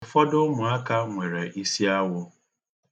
Ụfọdụ ụmụaka nwere isiawọ.